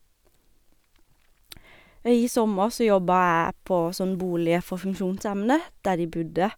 Ja, i sommer så jobba jeg på sånn boliger for funksjonshemmede, der de bodde.